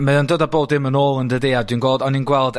Mae o'n dod â bob dim yn ôl yndydi? A dwi'n gweld... O'n i'n gweld